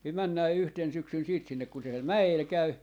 niin mennään yhtenä syksynä sitten sinne kun se siellä mäellä käy